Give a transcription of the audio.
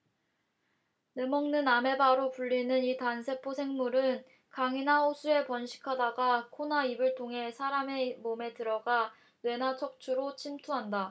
뇌 먹는 아메바로 불리는 이 단세포 생물은 강이나 호수에 번식하다가 코나 입을 통해 사람의 몸에 들어가 뇌나 척추로 침투한다